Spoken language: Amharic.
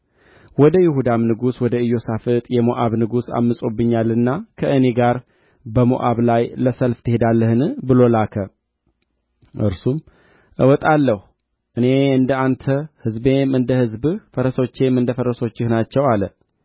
አክዓብም ከሞተ በኋላ የሞዓብ ንጉሥ በእስራኤል ንጉሥ ላይ ዐመፀ በዚያም ጊዜ ንጉሡ ኢዮራም ከሰማርያ ወጥቶ እስራኤልን ሁሉ አሰለፈ